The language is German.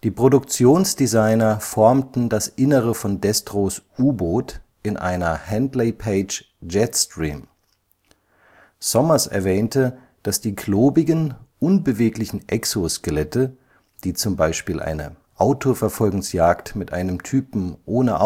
Produktionsdesigner formten das Innere von Destros U-Boot in einer Handley Page Jetstream. Sommers erwähnte, dass die klobigen, unbeweglichen Exoskelette (die z.B. eine „ Autoverfolgungsjagd mit einem Typen ohne